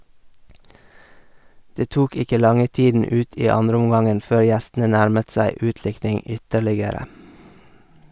Det tok ikke lange tiden ut i andreomgangen før gjestene nærmet seg utlikning ytterligere.